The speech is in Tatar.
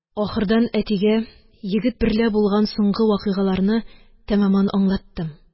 Ахырдан әтигә егет берлә булган соңгы вакыйгаларны тәмамән аңлаттым